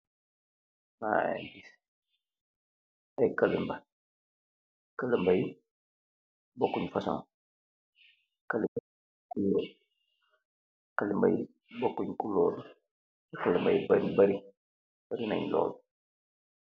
Ma bis ay kalimba këlambay bokkuñ fason kalimbay kalimbay bokkuñ kulool te kalambay bar-bari bari nañ lool.